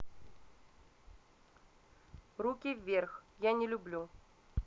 руки вверх я не люблю